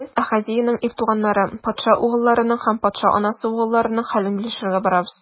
Без - Ахазеянең ир туганнары, патша угылларының һәм патша анасы угылларының хәлен белешергә барабыз.